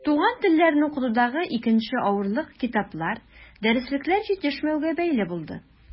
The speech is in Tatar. Туган телләрне укытудагы икенче авырлык китаплар, дәреслекләр җитешмәүгә бәйле булды.